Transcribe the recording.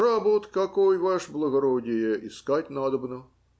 Работы какой, ваше благородие, искать надобно.